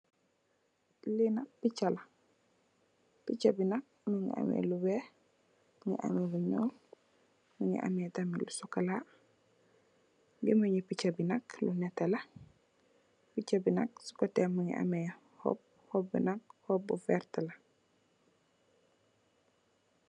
li nak picha la picha bi nak mungi ameh lu weex mungi ameh lu nyool mungi ameh tamit lu sokola gemenyi picha bi nak lu netela picha bi nak ci kotem mungi ameh hob hob bi nak hob bu veert la